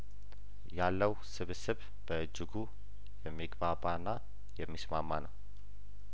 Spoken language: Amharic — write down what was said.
ያለው ስብስብ በእጅጉ የሚግባባና የሚስማማ ነው